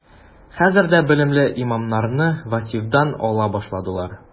Хәзер дә белемле имамнарны вазифадан ала башладылар.